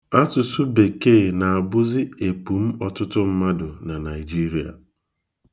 Asụsụ Bekee na-abụzị epum ọtụtụ mmadụ na Naijiria.